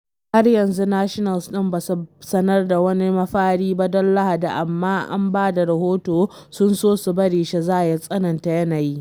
Har yanzu Nationals ɗin ba su sanar da wani mafari ba don Lahadi amma an ba da rahoto sun so su bari Scherzer ya tsananta yanayin.